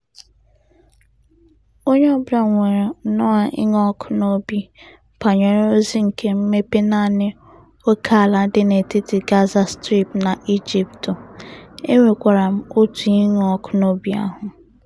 Onye ọbụla nwere nnọọ ịṅụ ọkụ n'obi banyere ozi nke mmepe naanị ókèala dị n'etiti Gaza Strip na Egypt, e nwekwara m otu ịṅụ ọkụ n'obi ahụ.